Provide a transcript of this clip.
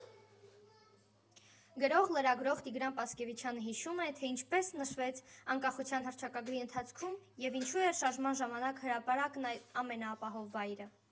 Գրող, լրագրող Տիգրան Պասկևիչյանը հիշում է, թե ինչպես նշվեց Անկախության հռչակագրի ընթերցումը և ինչու էր Շարժման ժամանակ հրապարակն ամենաապահով վայրը։